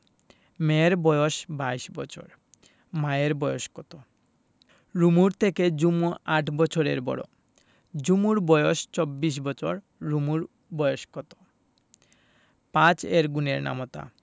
মেয়ের বয়স ২২ বছর মায়ের বয়স কত রুমুর থেকে ঝুমু ৮ বছরের বড় ঝুমুর বয়স ২৪ বছর রুমুর বয়স কত ৫ এর গুণের নামতা